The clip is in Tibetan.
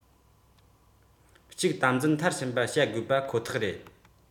གཅིག དམ འཛིན མཐར ཕྱིན པར བྱ དགོས པ ཁོ ཐག རེད